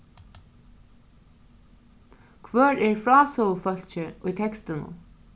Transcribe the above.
hvør er frásøgufólkið í tekstinum